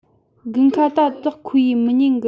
དགུན ཁ ད ཙག ཁོའུ ཡས མི ཉན གི